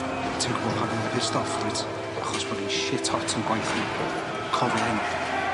Ti'n gwbo' pam fi'n pissed off dwyt? Achos bo' fi'n shit hot yn gwaith i cofio hyn.